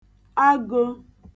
agō